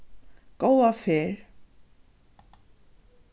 góða ferð